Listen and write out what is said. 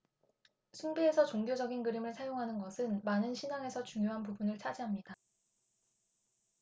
숭배에서 종교적인 그림을 사용하는 것은 많은 신앙에서 중요한 부분을 차지합니다